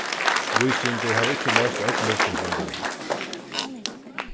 vísindi hava ikki loyst øll lívsins vandamál